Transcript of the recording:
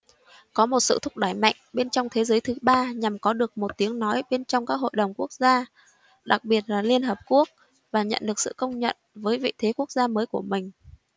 có một sự thúc đẩy mạnh bên trong thế giới thứ ba nhằm có được một tiếng nói bên trong các hội đồng quốc gia đặc biệt là liên hiệp quốc và nhận được sự công nhận với vị thế quốc gia mới của mình